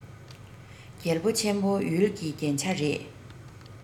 རྒྱལ པོ ཆེན པོ ཡུལ གྱི རྒྱན ཆ རེད